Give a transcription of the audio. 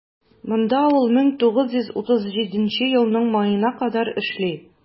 Монда ул 1937 елның маена кадәр эшли.